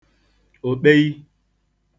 òkpei